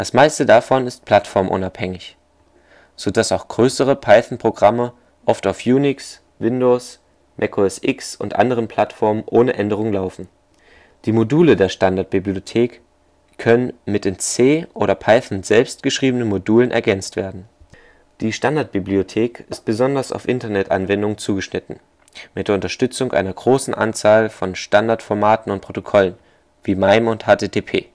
meiste davon ist plattformunabhängig, so dass auch größere Python-Programme oft auf Unix, Windows, Mac OS X und anderen Plattformen ohne Änderung laufen. Die Module der Standardbibliothek können mit in C oder Python selbst geschriebenen Modulen ergänzt werden. Die Standardbibliothek ist besonders auf Internet-Anwendungen zugeschnitten, mit der Unterstützung einer großen Anzahl von Standardformaten und - Protokollen (wie MIME und HTTP